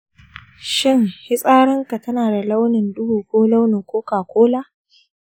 shin fitsarinka tana da launin duhu ko launin coca-cola